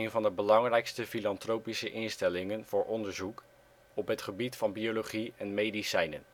van de belangrijkste filantropische instellingen voor onderzoek op het gebied van biologie en medicijnen